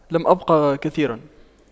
لم أبقى كثيرا